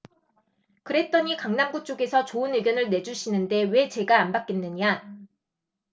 그랬더니 강남구 쪽에서 좋은 의견을 내주시는데 왜 제가 안 받겠느냐